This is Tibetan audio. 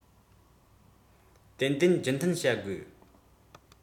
ཏན ཏན རྒྱུན མཐུད བྱ དགོས